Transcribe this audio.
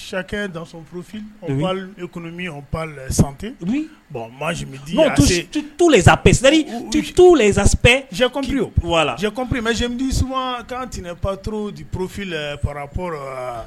Sikɛ da purfimi sante bɔn tu sapssɛri tu sappri wala jepridis kan tiɛnɛn pppur di poroofi la parapororo